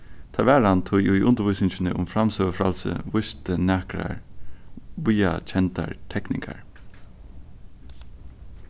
tað varð hann tí í undirvísingini um framsøgufrælsi vísti nakrar víðakendar tekningar